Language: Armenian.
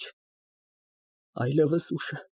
Ահ, այլևս ուշ է։